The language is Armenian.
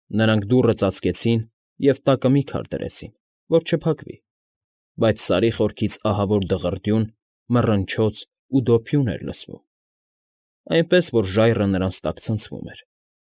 Նրանք դուռը ծածկեցին և տակը մի քար դրեցին, որ չփակվի, բայց Սարի խորքից ահավոր դղրդյուն, մռնչոց ու դոփյուն էր լսվում, այնպես որ ժայռը նրանց տակ ցնցվում էր։